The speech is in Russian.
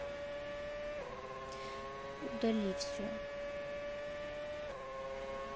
удали все